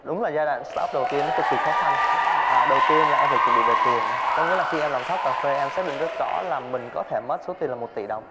đúng là giai đoạn sờ tát ắp đầu tiên nó cực kỳ khó khăn à đầu tiên là em phải chuẩn bị về tiền có nghĩa là khi em làm thót cà phê em xác định rất rõ là mình có thể mất số tiền là một tỷ đồng